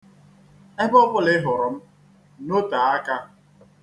Ebe ọbụla ị hụrụ m, notee aka!